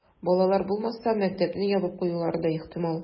Балалар булмаса, мәктәпне ябып куюлары да ихтимал.